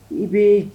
I bɛɛ